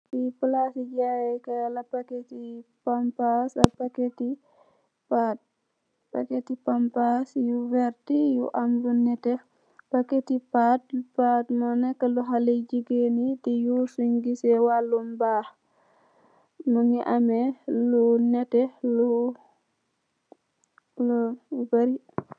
Fi palasi jaye ye kai la packet ti pampers ak packet ti pad. Packet ti pampers yu werta yu am lu neteh, packet ti pad moi lu haleh jigeen di use sunye geseh walum mbakh mungi ame lu neteh lu bori